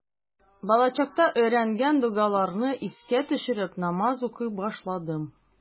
Балачакта өйрәнгән догаларны искә төшереп, намаз укый башладым.